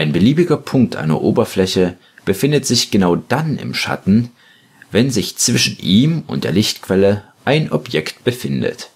beliebiger Punkt einer Oberfläche befindet sich genau dann im Schatten, wenn sich zwischen ihm und der Lichtquelle ein Objekt befindet